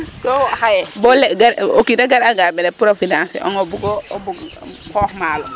so wo xaye bo gar a, o kiin a gar'anga mene pour a financer ong o bug bug xoox maalo .